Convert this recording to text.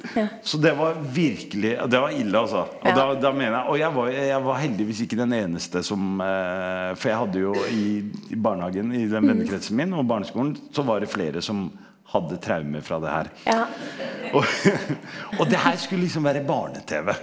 så det var virkelig det var ille altså og da da mener jeg og jeg jeg var jeg var heldigvis ikke den eneste som for jeg hadde jo i i barnehagen i den vennekretsen min og barneskolen så var det flere som hadde traumer fra det her, og og det her skulle liksom være barne-tv.